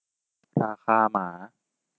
ราคาหมา